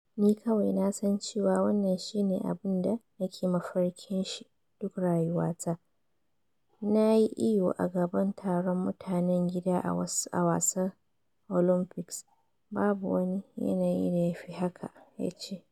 “Ni kawai na san cewa wannan shi ne abun da nake mafarkin shi duk rayuwa ta - na yi iyo a gaban taron mutanen gida a Wasar Olympics, babu wani yanayi da yafi haka,” ya ce.